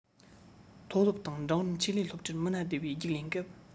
མཐོ སློབ དང འབྲིང རིམ ཆེད ལས སློབ གྲྭར སློབ མ བསྡུ བའི རྒྱུགས ལེན སྐབས